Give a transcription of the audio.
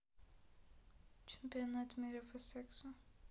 чемпионат мира по сексу